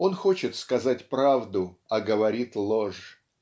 он хочет сказать правду, а говорит ложь